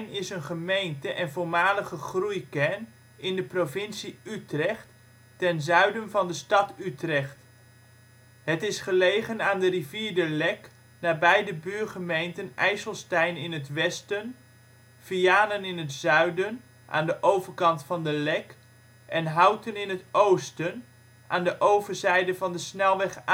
is een gemeente en voormalige groeikern in de provincie Utrecht, ten zuiden van de stad Utrecht. Het is gelegen aan de rivier de Lek, nabij de buurgemeenten IJsselstein in het westen, Vianen in het zuiden (aan de overkant van de Lek) en Houten in het oosten (aan de overzijde van de snelweg